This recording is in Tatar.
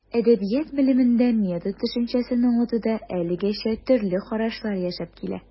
Әдәбият белемендә метод төшенчәсен аңлатуда әлегәчә төрле карашлар яшәп килә.